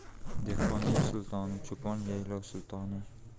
dehqon yer sultoni cho'pon yaylov sultoni